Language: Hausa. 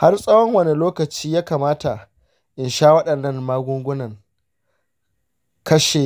har tsawon wani lokaci ya kamata in sha waɗannan magungunan kashe